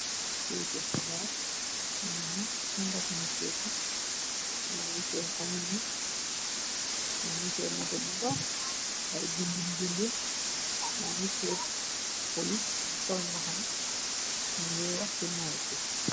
Ceytifobaar mëm na standar hemiswefer yañsmoto bundox ay bindi bindi yanse polis bu sol mbaxan mu ngay wax ci maybi.